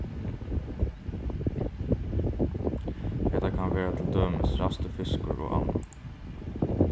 hetta kann vera til dømis ræstur fiskur og annað